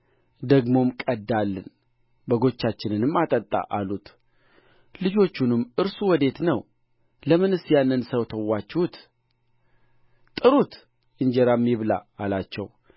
ደግሞም ቀዳልን በጎቻችንንም አጠጣ አሉ ልጆቹንም እርሱ ወዴት ነው ለምንስ ያንን ሰው ተዋችሁት ጥሩት እንጀራም ይብላ አላቸው